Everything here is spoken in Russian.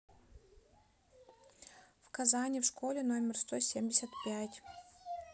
в казани в школе номер сто семьдесят пять